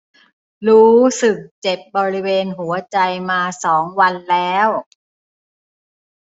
รู้สึกเจ็บบริเวณหัวใจมาสองวันแล้ว